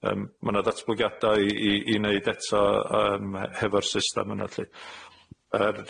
Yym ma' 'na ddatblygiada i i i neud eto yym he- hefo'r system yna felly.